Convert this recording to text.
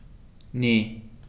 Ne.